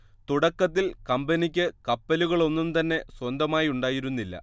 തുടക്കത്തിൽ കമ്പനിക്ക് കപ്പലുകളൊന്നും തന്നെ സ്വന്തമായുണ്ടായിരുന്നില്ല